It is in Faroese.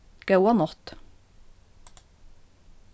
góða nátt